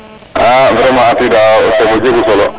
a vraiment atida o temo jegu solo